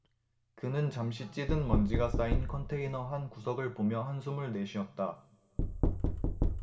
그는 잠시 찌든 먼지가 쌓인 컨테이너 한 구석을 보며 한숨을 내쉬었다